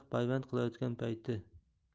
payvand qilayotgan payti